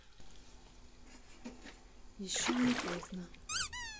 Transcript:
еще не поздно